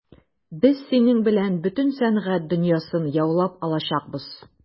Без синең белән бөтен сәнгать дөньясын яулап алачакбыз.